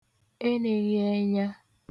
enēghịẹnya